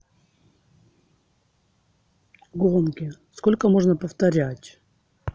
гонки сколько можно повторять